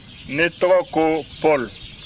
ne tɔgɔ ko paul